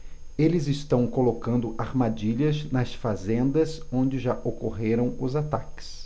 eles estão colocando armadilhas nas fazendas onde já ocorreram os ataques